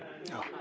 waaw